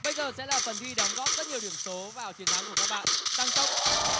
bây giờ sẽ là phần thi đóng góp rất nhiều điểm số vào chiến thắng của các bạn tăng tốc